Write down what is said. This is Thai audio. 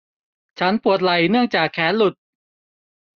ฉันปวดไหล่เนื่องจากแขนหลุด